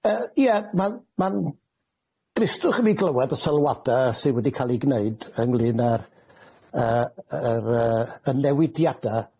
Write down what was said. Yy, ie, ma'n ma'n dristwch i mi glywad y sylwada sy wedi ca'l 'u gneud ynglŷn â'r yy yr yy y newidiada